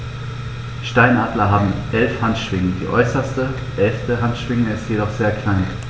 Steinadler haben 11 Handschwingen, die äußerste (11.) Handschwinge ist jedoch sehr klein.